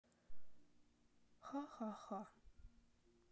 ха ха ха